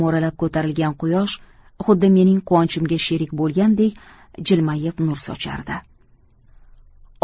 mo'ralab ko'tarilgan quyosh xuddi mening quvonchimga sherik bo'lgandek jilmayib nur sochardi